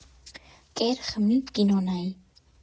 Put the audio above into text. Կեր, խմի, կինո նայի։